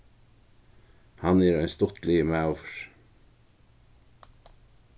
hann er ein stuttligur maður